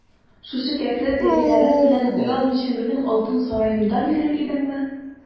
Шушы кәкре тәпиләрең белән оялмыйча минем алтын сараемда йөрер идеңме?